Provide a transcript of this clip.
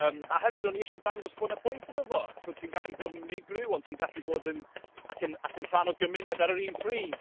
Yym, a hefyd o'n i isio dangos bod 'na pwynt iddo fo, bo' ti'n gallu bod yn unigryw ond ti'n gallu bod yn... ac yn ac yn rhan o gymuned ar yr un pryd.